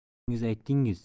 o'zingiz aytdingiz